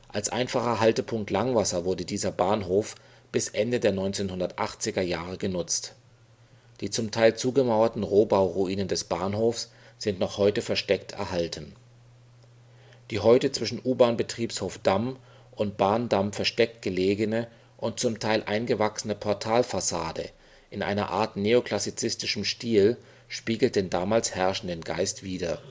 Als einfacher Haltepunkt Langwasser wurde dieser Bahnhof bis Ende der 1980er Jahre genutzt. Die zum Teil zugemauerten Rohbau-Ruinen des Bahnhofs sind noch heute versteckt erhalten. Die heute zwischen U-Bahn-Betriebshof-Damm und Bahndamm versteckt gelegene und zum Teil eingewachsene Portal-Fassade in einer Art neoklassizistischem Stil spiegelt den damals herrschenden Geist wider